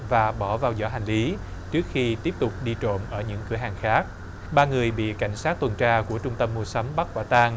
và bỏ vào giỏ hành lý trước khi tiếp tục đi trộm ở những cửa hàng khác ba người bị cảnh sát tuần tra của trung tâm mua sắm bắt quả tang